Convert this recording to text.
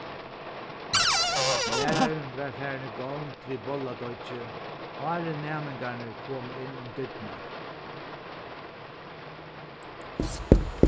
lærarin var farin í gongd við bolladeiggið áðrenn næmingarnir komu inn um dyrnar